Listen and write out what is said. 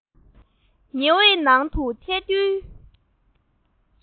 ཉི འོད ནང དུ ཐལ རྡུལ